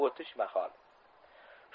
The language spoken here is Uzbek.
o'tish mahol